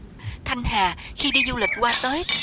thanh hà khi đi du lịch qua tới